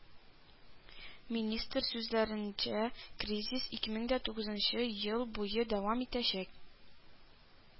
Министр сүзләренчә, кризис ике мең дә тугызынчы ел буе дәвам итәчәк